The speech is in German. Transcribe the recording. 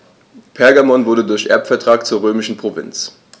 Pergamon wurde durch Erbvertrag zur römischen Provinz.